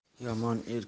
yomon erkak to'y